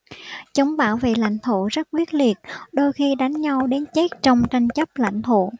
chúng bảo vệ lãnh thổ rất quyết liệt đôi khi đánh nhau đến chết trong tranh chấp lãnh thổ